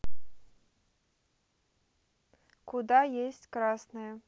куда есть красная